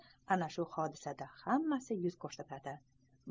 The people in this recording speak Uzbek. ana shu hodisada hammasi yuz ko'rsatadi